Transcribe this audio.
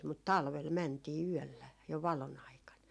mutta talvella mentiin yöllä jo valon aikana